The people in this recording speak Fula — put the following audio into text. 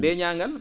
beeñaa ngal